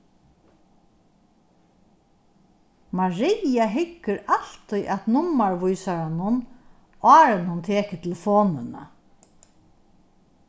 maria hyggur altíð at nummarvísaranum áðrenn hon tekur telefonina